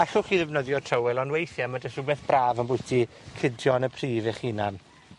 Allwch chi ddefnyddio trywel, ond weithie ma' jys rwbeth braf ambwyty cydio yn y pridd eich hunan.